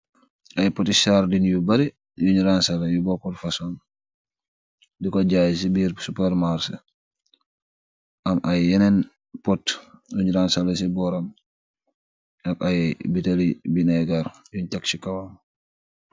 Ay potti sardine yu bari nyu gi ransaleh yu bokut fosong diko jaay si birr supermarche aam ayy yenen pott nung ransaleh si boram aam ay botale venegar nung tek si kawam.